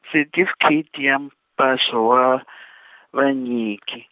setifikheti ya mpaso wa vanyiki.